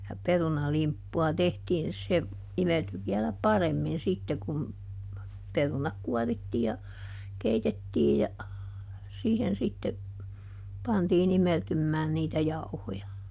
ja perunalimppua tehtiin se imeltyi vielä paremmin sitten kun perunat kuorittiin ja keitettiin ja siihen sitten pantiin imeltymään niitä jauhoja